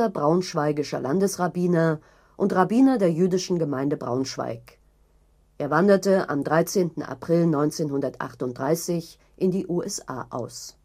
braunschweigischer Landesrabbiner und Rabbiner der Jüdischen Gemeinde Braunschweig. Er wanderte am 13. April 1938 in die USA aus